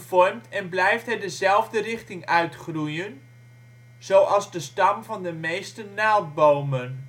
en blijft hij dezelfde richting uitgroeien, zoals de stam van de meeste naaldbomen